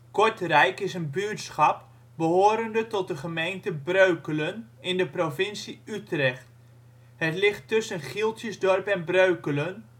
Kortrijk is een buurtschap behorende tot de gemeente Breukelen in de provincie Utrecht. Het ligt tussen Gieltjesdorp en Breukelen